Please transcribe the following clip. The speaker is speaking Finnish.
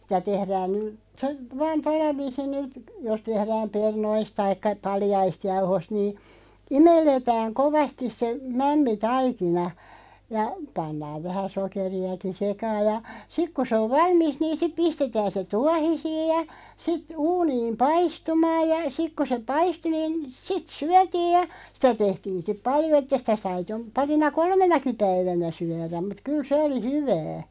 sitä tehdään nyt - vain tuolla viisiin nyt jos tehdään perunoista tai paljaista jauhosta niin imelletään kovasti se mämmitaikina ja pannaan vähän sokeriakin sekaan ja sitten kun se on valmista niin sitten pistetään se tuohisiin ja sitten uuniin paistumaan ja sitten kun se paistui niin sitten syötiin ja sitä tehtiin sitten paljon että sitä sai jo parina kolmenakin päivänä syödä mutta kyllä se oli hyvää